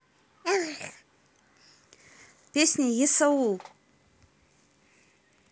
песня есаул